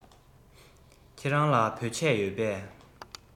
ཁྱེད རང ལ བོད ཆས ཡོད པས